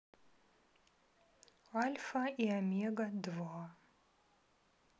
альфа и омега два